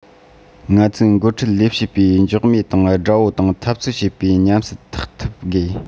ང ཚོའི འགོ ཁྲིད ལས བྱེད པས སྒྱོགས མེ དང དགྲ བོ དང འཐབ རྩོད བྱེད པའི ཉམས སད ཐེག ཐུབ དགོས